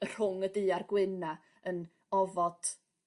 y rhwng y du a'r gwyn 'na yn ofod